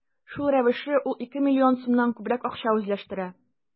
Шул рәвешле ул ике миллион сумнан күбрәк акча үзләштерә.